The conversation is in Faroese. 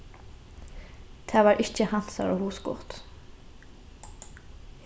tað var ikki hansara hugskot